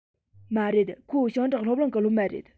མ རེད ཁོ ཞིང འབྲོག སློབ གླིང གི སློབ མ རེད